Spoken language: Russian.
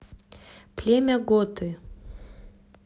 племя готы